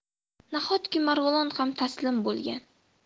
nahotki marg'ilon ham taslim bo'lgan